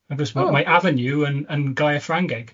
Wrth gwrs... Ww... mae mae avenue yn yn gair Ffrangeg.